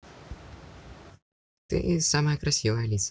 ты самая красивая алиса